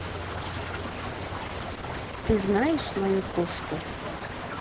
ты знаешь мою кошку